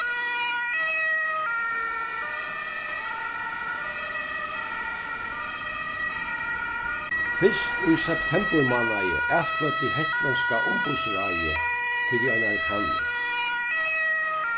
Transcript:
fyrst í septemburmánaði atkvøddi hetlendska umboðsráðið fyri einari kanning